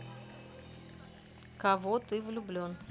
кого ты влюблен